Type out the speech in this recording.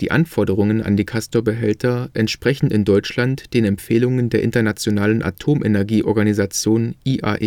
Anforderungen an die Castorbehälter entsprechen in Deutschland den Empfehlungen der Internationalen Atomenergieorganisation (IAEO